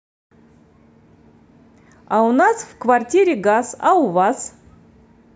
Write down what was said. а у нас в квартире газ а у вас